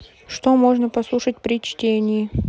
что можно послушать при чтении